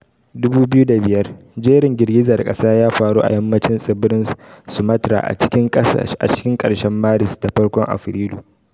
2005: Jerin girgizar kasa ya faru a yammacin tsibirin Sumatra a cikin karshen Maris da farkon Afrilu.